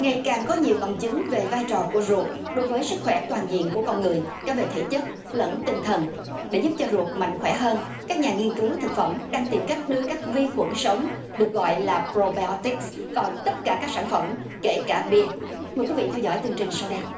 ngày càng có nhiều bằng chứng về vai trò của ruột đối với sức khỏe toàn diện của con người cả về thể chất lẫn tinh thần để giúp cho ruột mạnh khỏe hơn các nhà nghiên cứu thực phẩm đang tìm cách đưa các vi khuẩn sống được gọi là bờ rồ be o tíc vào tất cả các sản phẩm kể cả bia mời quý vị theo dõi chương trình sau đây